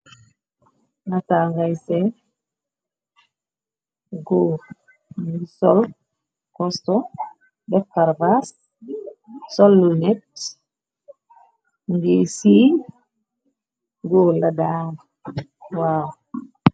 Nataw ngay ce góur ni sol kosto def karvas sollu net ngir ci góur la daam waaw.